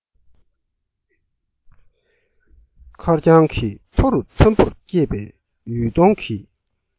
མཁར གྱང གི མཐའ རུ མཐོན པོར སྐྱེས པའི ཡུལ སྡོང གི